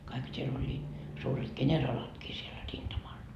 kaikkihan siellä olivat suuret kenraalitkin siellä rintamalla